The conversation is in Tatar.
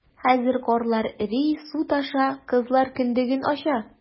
Хәзер карлар эри, су таша - кызлар кендеген ача...